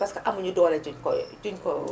parce que amuñu doole ju ñu koy ju ñu ko